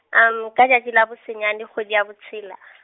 ka tšatši la bo senyane kgwedi ya bo tshela .